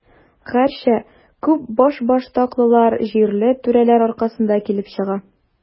Гәрчә, күп башбаштаклыклар җирле түрәләр аркасында килеп чыга.